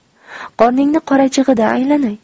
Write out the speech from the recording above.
qorningni qorachig'idan aylanay